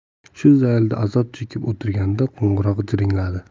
shu zaylda azob chekib o'tirganda qo'ng'iroq jiringladi